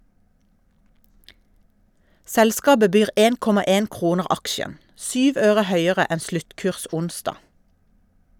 Selskapet byr 1,1 kroner aksjen, syv øre høyere enn sluttkurs onsdag.